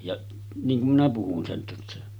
ja niin kuin minä puhun sen tässä